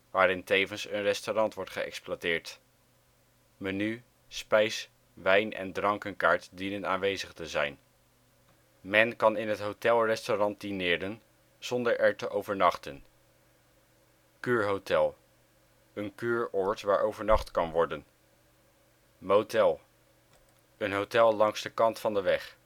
waarin tevens een restaurant wordt geëxploiteerd. Menu -, spijs -, wijn en drankenkaart dienen aanwezig te zijn. Men kan in het hotel-restaurant dineren zonder er te overnachten. Kuurhotel: Een kuuroord waar overnacht kan worden. Motel: Een hotel langs de kant van de weg